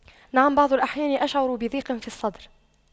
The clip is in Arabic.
نعم بعض الأحيان أشعر بضيق في الصدر